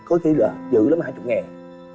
có khi là giữ lắm hai chục ngàn